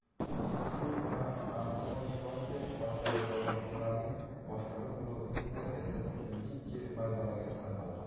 shu kuni antonio konte boshqaruvidagi milanning boshqa bir klubi inter esa lechche maydoniga safar qildi